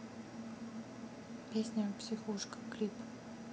песня психушка клип